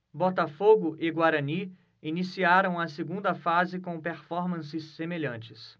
botafogo e guarani iniciaram a segunda fase com performances semelhantes